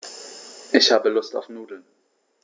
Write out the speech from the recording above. Ich habe Lust auf Nudeln.